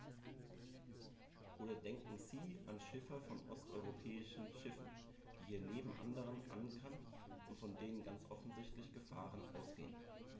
Oder denken Sie an Schiffer von osteuropäischen Schiffen, die hier neben anderen ankern und von denen ganz offensichtlich Gefahren ausgehen.